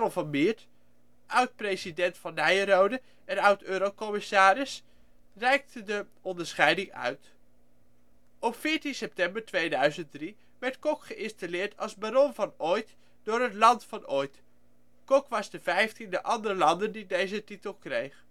van Miert, oud-president van Nyenrode en oud-eurocommissaris, reikte de onderscheiding uit. Op 14 september 2003 werd Kok geïnstalleerd als Baron van Ooit door Het Land van Ooit. Kok was de vijftiende Anderlander die deze titel kreeg